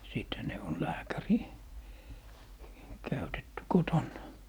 sittenhän ne on lääkäri käytetty kotona